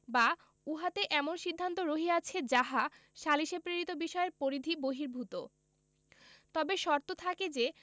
বা উহাতে এমন সিদ্ধান্ত রহিয়াছে যাহা সালিসে প্রেরিত বিষয়ের পরিধি বহির্ভূত তবে শর্ত থাকে যে